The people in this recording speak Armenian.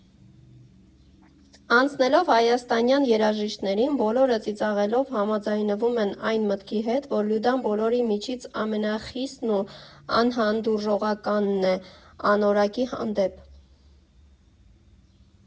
Անցնելով Հայաստանյան երաժիշտներին, բոլորը ծիծաղելով համաձայնվում են այն մտքի հետ, որ Լյուդան բոլորի միջից ամենախիստն ու անհանդուրժողականն է անորակի հանդեպ։